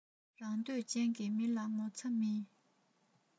རང འདོད ཅན གྱི མི ལ ངོ ཚ མེད